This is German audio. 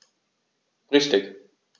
Richtig